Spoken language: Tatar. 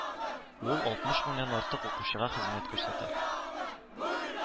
Ул алтмыш меңнән артык укучыга хезмәт күрсәтә